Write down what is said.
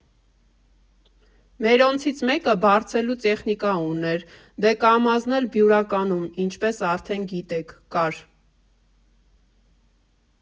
Մերոնցից մեկը բարձելու տեխնիկա ուներ, դե Կամազն էլ Բյուրականում, ինչպես արդեն գիտեք, կար։